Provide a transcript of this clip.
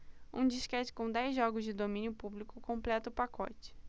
um disquete com dez jogos de domínio público completa o pacote